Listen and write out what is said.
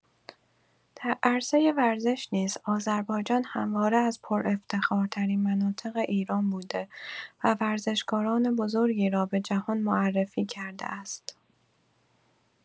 در عرصه ورزش نیز، آذربایجان همواره از پرافتخارترین مناطق ایران بوده و ورزشکاران بزرگی را به جهان معرفی کرده است.